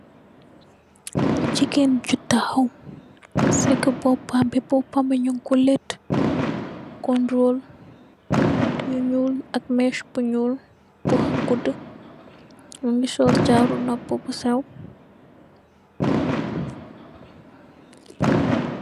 Jegain ju tahaw sega bopam be bopam be nugku leta cornrol yu nuul ak mess bu nuul bu goudu muge sol jaaru nopa bu seew.